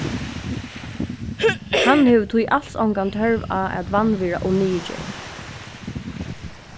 hann hevur tí als ongan tørv á at vanvirða og niðurgera